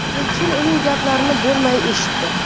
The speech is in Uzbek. elchin uning gaplarini bo'lmay eshitdi